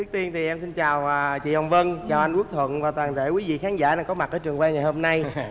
trước tiên thì em xin chào chị hồng vân chào anh quốc thuận và toàn thể quý vị khán giả có mặt tại trường quay ngày hôm nay